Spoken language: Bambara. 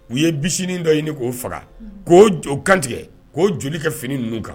U ye bisimila dɔ ɲini k'o faga k'o oo kantigɛ k'o joli ka fini ninnu kan